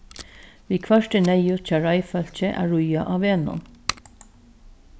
viðhvørt er neyðugt hjá reiðfólki at ríða á vegnum